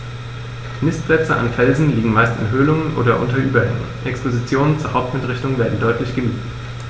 Nistplätze an Felsen liegen meist in Höhlungen oder unter Überhängen, Expositionen zur Hauptwindrichtung werden deutlich gemieden.